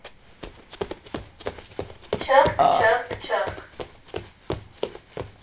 Չըխկ, չըխկ, չըխկ։